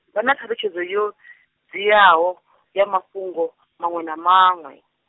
vha na ṱhalutshedzo yo, dziaho, ya mafhungo, manwe na manwe.